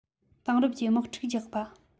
དེང རབས ཀྱི དམག འཁྲུག རྒྱག པ